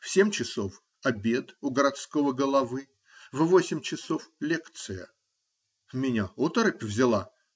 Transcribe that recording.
В семь часов -- обед у городского головы, в восемь часов -- лекция. Меня оторопь взяла.